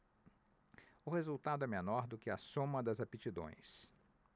o resultado é menor do que a soma das aptidões